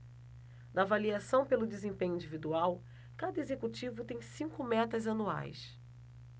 na avaliação pelo desempenho individual cada executivo tem cinco metas anuais